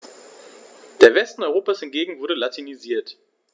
Der Westen Europas hingegen wurde latinisiert.